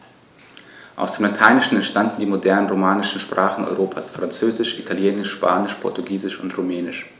Aus dem Lateinischen entstanden die modernen „romanischen“ Sprachen Europas: Französisch, Italienisch, Spanisch, Portugiesisch und Rumänisch.